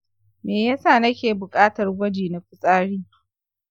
me yasa nake buƙatar gwaji na fitsari?